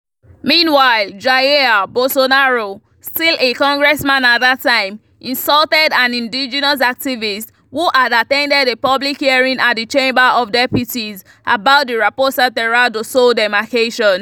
Meanwhile, Jair Bolsonaro, still a congressman at that time, insulted an indigenous activist who had attended a public hearing at the Chamber of Deputies about the Raposa Terra do Sol demarcation.